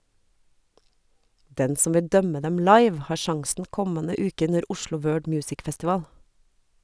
Den som vil dømme dem live, har sjansen kommende uke under Oslo World Music Festival.